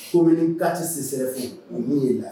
So min ka tɛ sisɛ fo o min' la